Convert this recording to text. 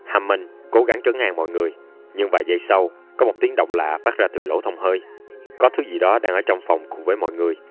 hammond cố gắng trấn an mọi người nhưng vài giây sau có một tiếng động lạ phát ra từ lỗ thông hơi có thứ gì đó đang ở trong phòng cùng với mọi người